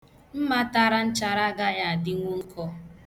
Mma tara nchara agaghị adịnwu nkọ.